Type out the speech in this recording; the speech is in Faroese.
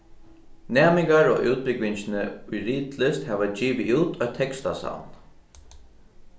næmingar á útbúgvingini í ritlist hava givið út eitt tekstasavn